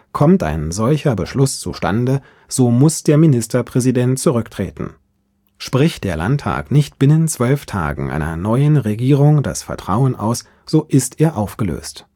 Kommt ein solcher Beschluss zustande, so muss der Ministerpräsident zurücktreten. Spricht der Landtag nicht binnen zwölf Tagen einer neuen Regierung das Vertrauen aus, so ist er aufgelöst